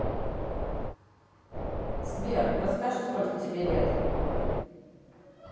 сбер расскажи сколько тебе лет